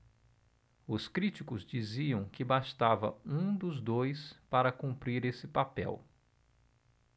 os críticos diziam que bastava um dos dois para cumprir esse papel